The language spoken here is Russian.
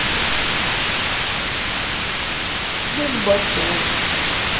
лук батон